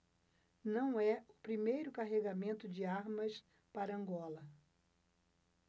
não é o primeiro carregamento de armas para angola